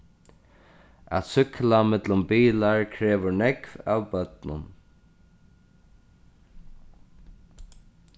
at súkkla millum bilar krevur nógv av børnum